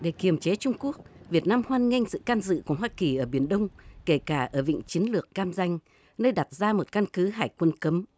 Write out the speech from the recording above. để kiềm chế trung quốc việt nam hoan nghênh sự can dự của hoa kỳ ở biển đông kể cả ở vịnh chiến lược cam ranh nơi đặt ra một căn cứ hải quân cấm